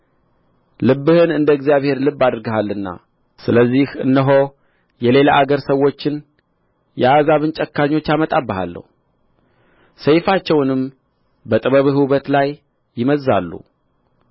ልብህን እንደ እግዚአብሔር ልብ አድርገሃልና ስለዚህ እነሆ የሌላ አገር ሰዎችን የአሕዛብን ጨካኞች አመጣብሃለሁ ሰይፋቸውንም በጥበብህ ውበት ላይ ይመዝዛሉ